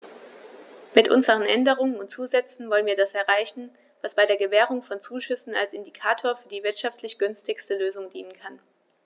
Mit unseren Änderungen und Zusätzen wollen wir das erreichen, was bei der Gewährung von Zuschüssen als Indikator für die wirtschaftlich günstigste Lösung dienen kann.